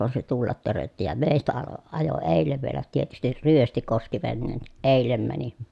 vaan se tulla törötti ja meistä - ajoi edelle vielä tietysti ryösti koski veneen niin eilen meni